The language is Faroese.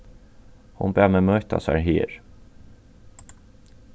hon bað meg møta sær her